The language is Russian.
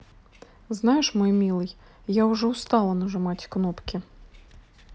знаешь мой милый я уже устала нажимать кнопки